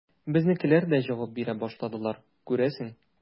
Безнекеләр дә җавап бирә башладылар, күрәсең.